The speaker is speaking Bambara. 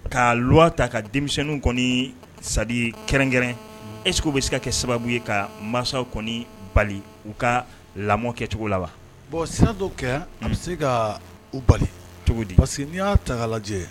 Ka wa ta ka denmisɛn kɔni sadi kɛrɛnkɛrɛn etu bɛ se ka kɛ sababu ye ka mansaw kɔni bali u ka lamɔ kɛcogo la bon sira dɔw kɛ a bɛ se ka u bali cogo di parce que n'i y'a ta lajɛjɛ